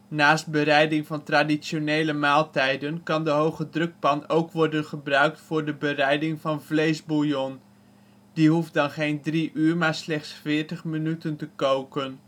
Naast bereiding van traditionele maaltijden kan de hogedrukpan ook worden gebruikt voor de bereiding van vleesbouillon. Die hoeft dan geen 3 uur maar slechts 40 minuten te koken